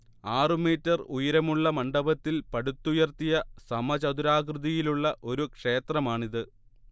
ആറുമീറ്റർ ഉയരമുള്ള മണ്ഡപത്തിൽ പടുത്തുയർത്തിയ സമചതുരാകൃതിയിലുള്ള ഒരു ക്ഷേത്രമാണിത്